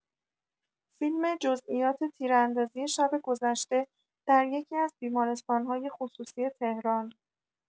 فیلم جزییات تیراندازی شب گذشته در یکی‌از بیمارستان‌های خصوصی تهران